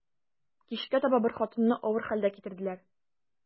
Кичкә таба бер хатынны авыр хәлдә китерделәр.